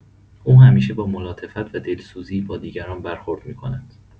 او همیشه با ملاطفت و دلسوزی با دیگران برخورد می‌کند.